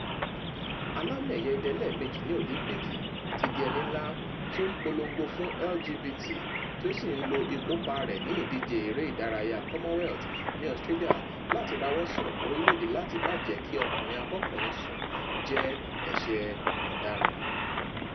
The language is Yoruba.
Alámì ẹ̀yẹ idẹ lẹ́ẹ̀mejì ní Òlìńpìkì ti dí ẹní ńlá tí ó ń polongo fún LGBT tí ó sì ń lò ìkópa rẹ̀ ní ìdíje eré ìdárayá Commonwealth ní Australia láti ráwọ́sí ọ̀pọ̀ orílẹ̀ èdè láti má jẹ́ kí ọ̀kunrin abọ́kùnrínsùn jẹ́ ẹ̀ṣẹ̀ ọ̀dáran.